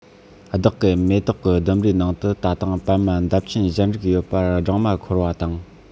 བདག གི མེ ཏོག གི ལྡུམ རའི ནང དུ ད དུང པད མ འདབ ཆེན གཞན རིགས ཡོད པར སྦྲང མ འཁོར པ དང